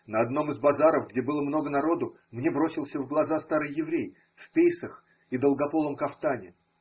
На одном из базаров, где было много народу, мне бросился в глаза старый еврей, в пейсах и долгополом кафтане.